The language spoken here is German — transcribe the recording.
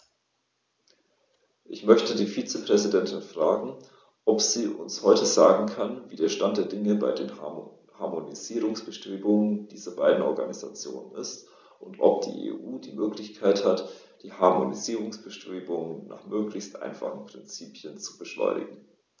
Ich möchte die Vizepräsidentin fragen, ob sie uns heute sagen kann, wie der Stand der Dinge bei den Harmonisierungsbestrebungen dieser beiden Organisationen ist, und ob die EU die Möglichkeit hat, die Harmonisierungsbestrebungen nach möglichst einfachen Prinzipien zu beschleunigen.